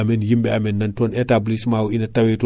ko ɗum min gadduno RMG waɗi ɗum commander